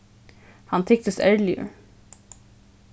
hann tyktist ærligur